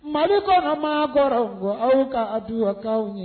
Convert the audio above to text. Mali kɔnɔ maakɔrɔw aw ka dugawu k'anw ye.